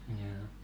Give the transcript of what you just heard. jaa